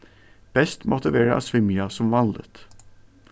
best mátti vera at svimja sum vanligt